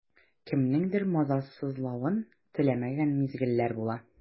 Кемнеңдер мазасызлавын теләмәгән мизгелләр була.